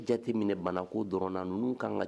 Jate minɛ bana koo dɔrɔnna ninnuu ka kan ka